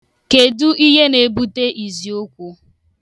Kedụ ihe na-ebute iziụkwụ?